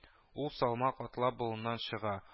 Ул салмак атлап болыннан чыга